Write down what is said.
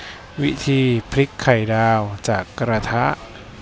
วิธีพลิกไข่ดาวจากกระทะ